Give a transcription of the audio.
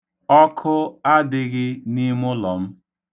Ọkụ adịghị n'imụlọ m.